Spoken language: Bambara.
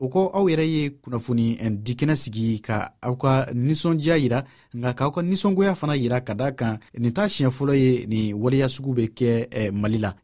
o kɔ aw yɛrɛ ye kunnafonidikɛnɛ sigi ka aw ka nisɔndiya jira n'a ka nisɔngoya fana jira ka da a kan nin t'a siɲɛ fɔlɔ ye nin waleya sugu bɛ kɛ mali la